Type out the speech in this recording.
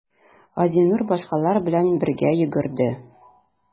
Газинур башкалар белән бергә йөгерде.